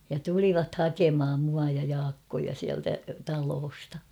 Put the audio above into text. ja tulivat hakemaan minua ja Jaakkoa sieltä talosta